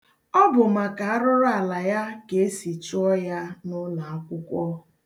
Ọ bụ maka arụrụala ya ka esi chụọ ya n'ụlọakwụkwọ.